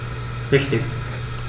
Richtig